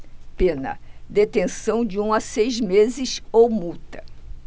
pena detenção de um a seis meses ou multa